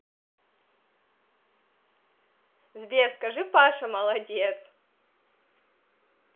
сбер скажи паша молодец